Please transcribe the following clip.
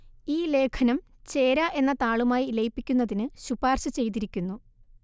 ഈ ലേഖനം ചേര എന്ന താളുമായി ലയിപ്പിക്കുന്നതിന് ശുപാർശ ചെയ്തിരിക്കുന്നു